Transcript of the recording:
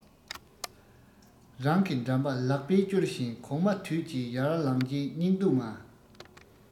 རང གི འགྲམ པ ལག པས སྐྱོར བཞིན གོག མ དུད ཀྱིས ཡར ལངས རྗེས སྙིང སྡུག མ